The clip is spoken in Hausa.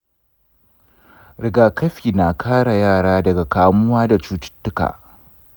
rigakafi na kare yara daga kamuwa daga cututtuka.